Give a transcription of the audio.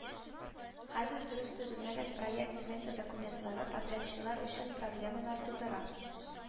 Хәзер дөрес төзелмәгән проект-смета документлары подрядчылар өчен проблемалар тудыра